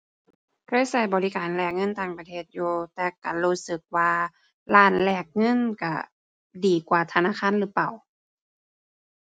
เคยใช้บริการแลกเงินต่างประเทศอยู่ แต่ใช้รู้สึกว่าร้านแลกเงินใช้ดีกว่าธนาคารหรือเปล่า